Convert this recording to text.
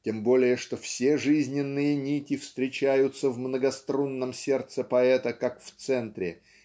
тем более что все жизненные нити встречаются в многострунном сердце поэта как в центре